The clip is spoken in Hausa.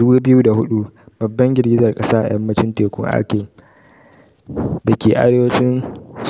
2004: Babban girgizar kasa a yammacin tekun Aceh dake arewacin